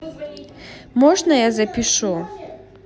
можно я запишу